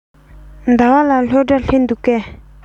ཟླ བ ལགས སློབ གྲྭར སླེབས འདུག གས